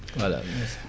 voilà merci